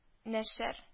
Нәшәр